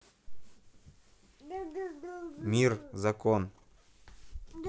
мир закон